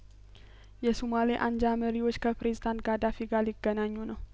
የሶማሌ አንጃ መሪዎች ከፕሬዝዳንት ጋዳፊ ጋር ሊገናኙ ነው